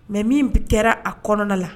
Mɛ min bɛ kɛra a kɔnɔna la